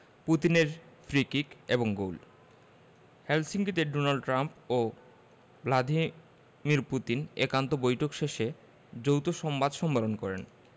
পুতিনের free kick এবং goal হেলসিঙ্কিতে ডোনাল্ড ট্রাম্প ও ভ্লাদিমির পুতিন একান্ত বৈঠক শেষে যৌথ সংবাদ সম্মেলন করেন